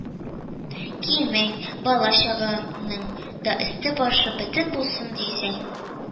Киемең, бала-чагаңның да өсте-башы бөтен булсын дисәң